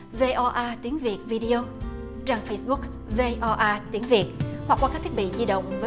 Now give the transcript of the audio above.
vê o a tiếng việt vi đi ô trang phây búc vê o a tiếng việt hoặc qua các thiết bị di động